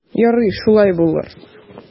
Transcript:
Ярый, шулай булыр.